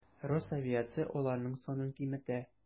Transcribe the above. Росавиация аларның санын киметә.